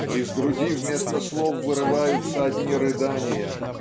но из груди вместо слов вырываются одни рыдания".